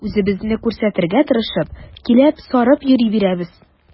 Үзебезне күрсәтергә тырышып, киләп-сарып йөри бирәбез.